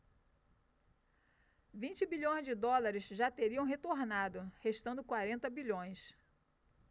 vinte bilhões de dólares já teriam retornado restando quarenta bilhões